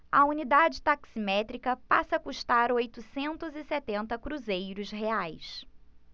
a unidade taximétrica passa a custar oitocentos e setenta cruzeiros reais